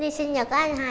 đi sưn nhật á anh hai